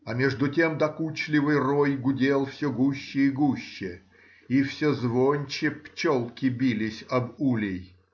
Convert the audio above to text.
А между тем докучный рой гудел все гуще и гуще, и все звонче пчелки бились об улей.